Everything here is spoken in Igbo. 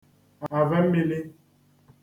avè mmīlī